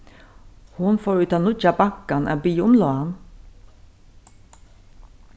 hon fór í tann nýggja bankan at biðja um lán